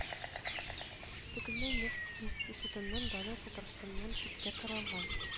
Бөгелмә нефть институтының даны татарстаннан читкә таралган